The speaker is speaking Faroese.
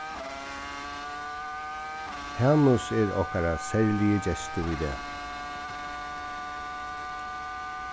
hanus er okkara serligi gestur í dag